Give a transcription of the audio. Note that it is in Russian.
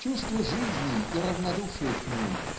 Чувство жизни и равнодушие к ней